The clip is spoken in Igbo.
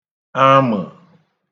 amə̣̀